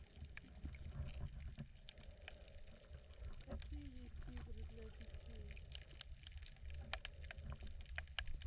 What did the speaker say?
какие есть игры для детей